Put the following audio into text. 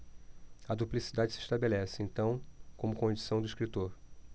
a duplicidade se estabelece então como condição do escritor